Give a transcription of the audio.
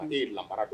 An ye lara dɔn